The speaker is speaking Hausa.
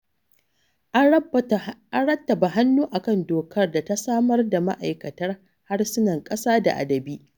'An rattaba hannu a kan dokar da ta samar da Ma'aikatar Harsunan ƙasa da Adabi''.